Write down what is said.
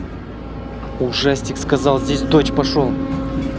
ужастик сказал здесь дочь пошел